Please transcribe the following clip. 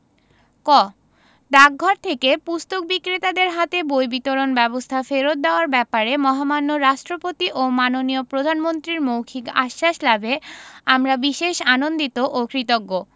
ক ডাকঘর থেকে পুস্তক বিক্রেতাদের হাতে বই বিতরণ ব্যবস্থা ফেরত দেওয়ার ব্যাপারে মহামান্য রাষ্ট্রপতি ও মাননীয় প্রধানমন্ত্রীর মৌখিক আশ্বাস লাভে আমরা বিশেষ আনন্দিত ও কৃতজ্ঞ